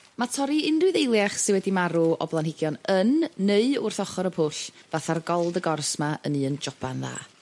Ma' torri unrhyw ddeiliach sy wedi marw o blanhigion yn neu wrth ochor y pwll fatha'r gold y gors 'ma yn un jopan dda.